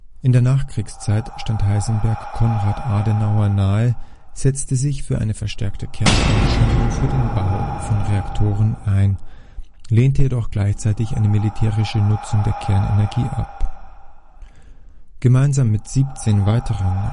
In der Nachkriegszeit stand Heisenberg Konrad Adenauer nahe, setzte sich für eine verstärkte Kernforschung und für den Bau von Reaktoren ein, lehnte jedoch gleichzeitig eine militärische Nutzung der Kernenergie ab. Gemeinsam mit siebzehn weiteren